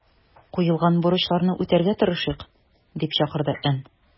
Куелган бурычларны үтәргә тырышыйк”, - дип чакырды Н.